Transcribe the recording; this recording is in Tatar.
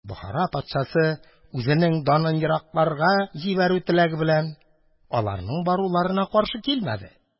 Бохара патшасы, үзенең данын еракларга җибәрү теләге белән, аларның баруларына каршы килмәде.